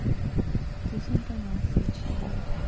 ты с интонацией читай